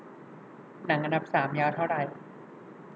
หนังอันดับสามยาวเท่าไหร่